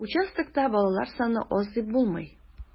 Участокта балалар саны аз дип булмый.